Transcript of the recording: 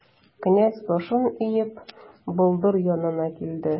Князь, башын иеп, болдыр янына килде.